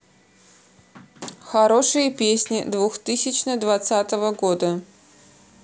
хорошие песни двухтысячно двадцатого года